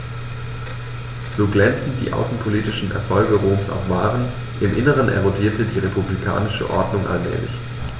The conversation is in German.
So glänzend die außenpolitischen Erfolge Roms auch waren: Im Inneren erodierte die republikanische Ordnung allmählich.